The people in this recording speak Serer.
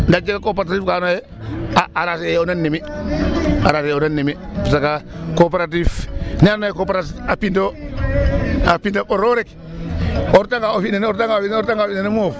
Ndaa a jega cooperative ka andoona yee aranger o nand nene mi' aranger o nand nene mi' parce que coopérative ne andoona yee coopérative a pind o a pind a ɓor o rek o retanga fi' nene o retanga fi' nene moof .